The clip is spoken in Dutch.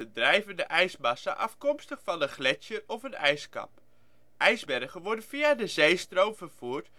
drijvende ijsmassa afkomstig van een gletsjer of een ijskap. IJsbergen worden via de zeestroom vervoerd